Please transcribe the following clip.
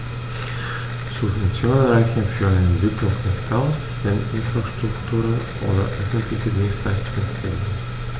Subventionen reichen für eine Entwicklung nicht aus, wenn Infrastrukturen oder öffentliche Dienstleistungen fehlen.